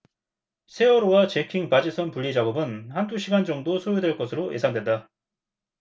세월호와 잭킹 바지선 분리 작업은 한 두 시간 정도 소요될 것으로 예상된다